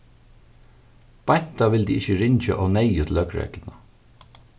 beinta vildi ikki ringja óneyðugt til løgregluna